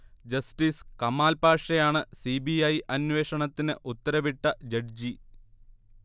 justice Kamal പാഷയാണ് CBI അന്വേഷണത്തിന് ഉത്തരവിട്ട ജഡ്ജി